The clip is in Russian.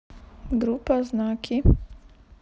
группа знаки